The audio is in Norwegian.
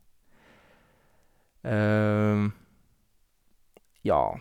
Ja.